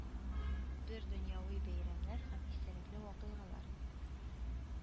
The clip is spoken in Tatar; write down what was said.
Бер дөньяви бәйрәмнәр һәм истәлекле вакыйгалар